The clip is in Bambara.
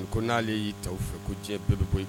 Ko n'ale y'i ta fɛ ko diɲɛ bɛɛ bɛ bɔ